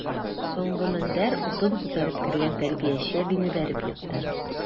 Соңгы мендәр утын күтәреп кергән тәрбияче әбине бәреп екты.